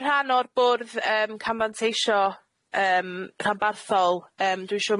yn rhan o'r bwrdd yym camfanteisho yym rhanbarthol yym dwi'n shŵr